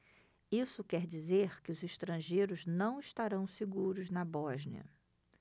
isso quer dizer que os estrangeiros não estarão seguros na bósnia